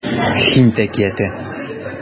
Һинд әкияте